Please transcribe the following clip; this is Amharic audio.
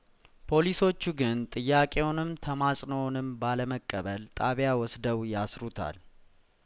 ፖሊሶቹ ግን ጥያቄውንም ተማጽኖውንም ባለመቀበል ጣቢያ ወስደው ያስሩታል